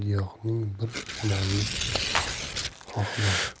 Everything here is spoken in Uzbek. bir shamollik hoh bor